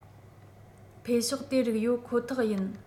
འཕེལ ཕྱོགས དེ རིགས ཡོད ཁོ ཐག ཡིན